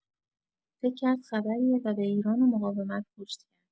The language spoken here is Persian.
فکر کرد خبریه و به ایران و مقاومت پشت کرد